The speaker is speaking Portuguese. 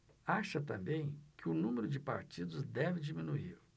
acha também que o número de partidos deve diminuir